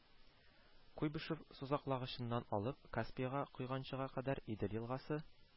Куйбышев сусаклагычыннан алып Каспийга койганчыга кадәр Идел елгасы